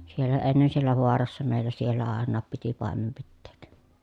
siellä ennen siellä vaarassa meillä siellä ainakin piti paimen pitää